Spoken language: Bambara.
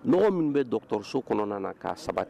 Ɲɔgɔn minnu bɛ dɔgɔtɔrɔso kɔnɔna na' saba